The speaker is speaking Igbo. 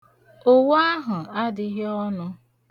Owu ahụ adịghị ọnụ.